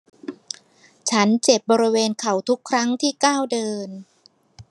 ฉันเจ็บบริเวณเข้าทุกครั้งที่ก้าวเดิน